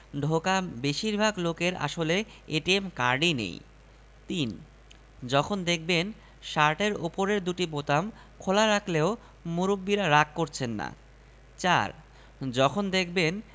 রসআলো feature হতে সংগৃহীত লিখেছেনঃ আশফাকুর রহমান ও আন্ নাসের নাবিল প্রকাশের সময়ঃ ২৩ জুলাই ২০১৮